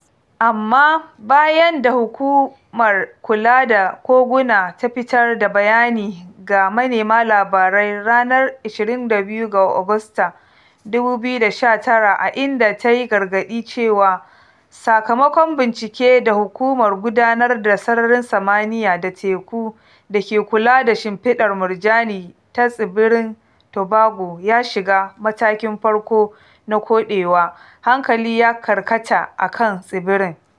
Amma bayan da Hukumar Kula da Koguna ta fitar da bayani ga manema labarai ranar 22 ga Agusta, 2019 a inda ta yi gargaɗi cewa - sakamakon bincike da Hukumar Gudanar da Sararin Samaniya da Teku da ke Kula da Shimfiɗar Murjani ta tsibirin Tobago ya shiga "Matakin Farko na Koɗewa", hankali ya karkata a kan tsibirin.